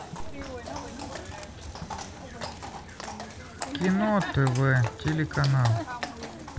кино тв телеканал